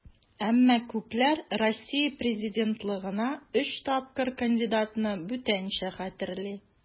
Әмма күпләр Россия президентлыгына өч тапкыр кандидатны бүтәнчә хәтерли.